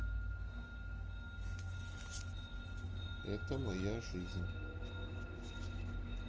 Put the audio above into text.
это моя жизнь